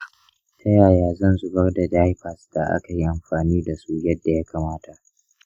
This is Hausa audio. ta yaya zan zubar da diapers da aka yi amfani da su yadda ya kamata?